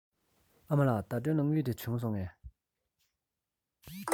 ཨ མ ལགས ཟླ སྒྲོན ལ དངུལ དེ བྱུང སོང ངས